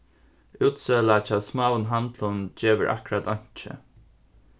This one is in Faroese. útsøla hjá smáum handlum gevur akkurát einki